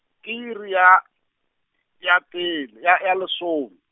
ke iri ya , ya pele ya ya lesome.